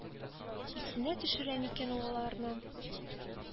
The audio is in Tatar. Исенә төшерә микән ул аларны,